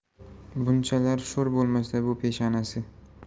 bunchalar sho'r bo'lmasa bu peshanasi